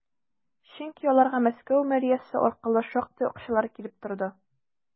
Чөнки аларга Мәскәү мэриясе аркылы шактый акчалар килеп торды.